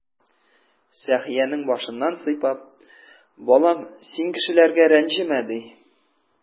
Сәхиянең башыннан сыйпап: "Балам, син кешеләргә рәнҗемә",— ди.